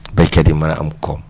béykat yi mën a am koom